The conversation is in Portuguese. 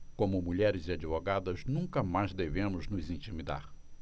como mulheres e advogadas nunca mais devemos nos intimidar